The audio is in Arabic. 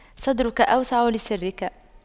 صدرك أوسع لسرك